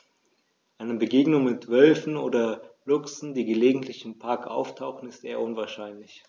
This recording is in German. Eine Begegnung mit Wölfen oder Luchsen, die gelegentlich im Park auftauchen, ist eher unwahrscheinlich.